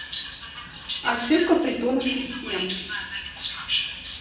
ошибка притонов систем